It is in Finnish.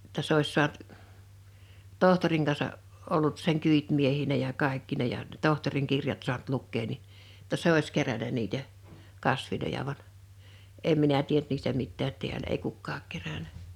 jotta se olisi saanut tohtorin kanssa ollut sen kyytimiehenä ja kaikkina ja tohtorin kirjat saanut lukea niin jotta se olisi kerännyt niitä kasveja vaan en minä tiennyt niistä mitään täällä ei kukaan kerännyt